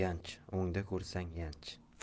ganj o'ngda ko'rsang yanch